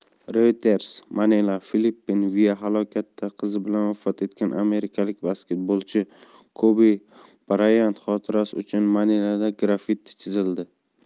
reuters manila filippinaviahalokatda qizi bilan vafot etgan amerikalik basketbolchi kobi brayant xotirasi uchun manilada graffiti chizildi